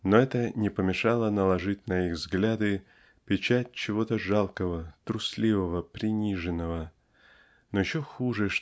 но это не помешало наложить на их взгляды печать чего-то жалкого трусливого приниженного. Но еще хуже